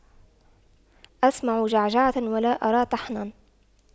أسمع جعجعة ولا أرى طحنا